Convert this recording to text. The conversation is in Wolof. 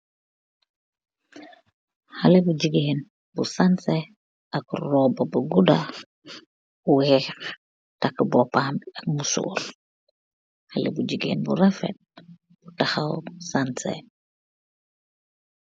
Haleh bu jigeen bu sanseh, ak robaa bu gudaa weeh takku bobam bi ak musoor, haleh bu jigeen bu rafet tahow sanseh.